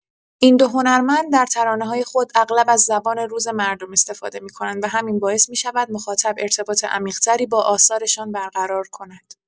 این دو هنرمند در ترانه‌های خود اغلب از زبان روز مردم استفاده می‌کنند و همین باعث می‌شود مخاطب ارتباط عمیق‌تری با آثارشان برقرار کند.